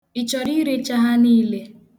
Ị chọrọ irecha ha niile?